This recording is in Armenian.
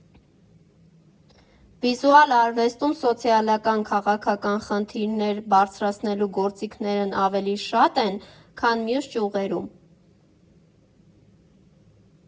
«Վիզուալ արվեստում սոցիալական, քաղաքական խնդիրներ բարձրացնելու գործիքներն ավելի շատ են, քան մյուս ճյուղերում։